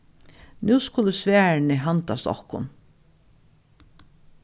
nú skulu svarini handast okkum